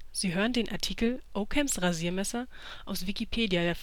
Sie hören den Artikel Ockhams Rasiermesser, aus Wikipedia